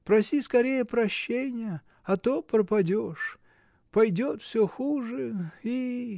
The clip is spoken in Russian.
Проси скорее прощения, а то пропадешь, пойдет всё хуже. и.